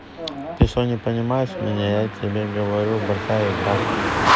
ты что не понимаешь меня я тебе говорю большая игра